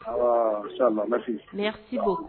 Aw fisa ma ma mɛ